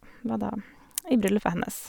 Var da i bryllupet hennes.